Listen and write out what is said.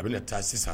A bɛ bɛna taa sisan